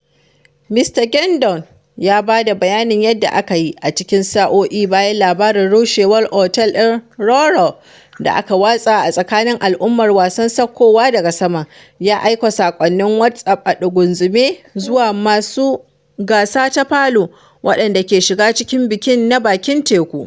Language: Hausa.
Mista Gendon ya ba da bayanin yadda aka yi, a cikin sa’o’i bayan labarin rushewar otel ɗin Roa Roa da aka watsa a tsakanin al’ummar wasan saukowa daga saman, ya aika sakonnin WhatsApp a dugunzume zuwa masu gasa ta Palu, waɗanda ke shiga cikin bikin na bakin tekun.